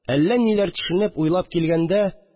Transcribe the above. Әллә ниләр төшенеп, уйлап килгәндә